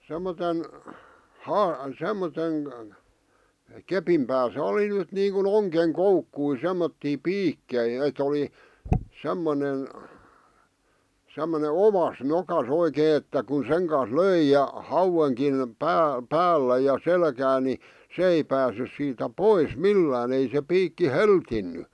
semmoisen - semmoisen kepin päässä oli nyt niin kuin ongen koukkuja semmoisia piikkejä että oli semmoinen semmoinen oas nokassa oikein että kun sen kanssa löi ja hauenkin - päällä ja selkää niin se ei päässyt siitä pois millään ei se piikki hellinnyt